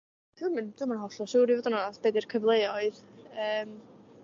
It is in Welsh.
dwi'm yn dwi'm yn hollol siŵr i fod yn onasd be 'di'r cyfleoedd yym